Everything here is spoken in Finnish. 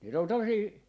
niitä on tuommoisia